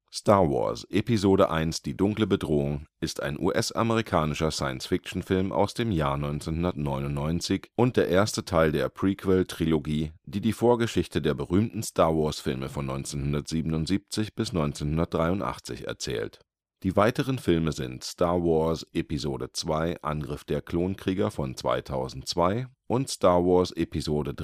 Star Wars: Episode I – Die dunkle Bedrohung ist ein US-amerikanischer Science-Fiction-Film aus dem Jahr 1999 und der erste Teil der Prequel-Trilogie, die die Vorgeschichte der berühmten Star-Wars-Filme (1977 – 1983) erzählt. Die weiteren Filme sind Star Wars: Episode II – Angriff der Klonkrieger (2002) und Star Wars: Episode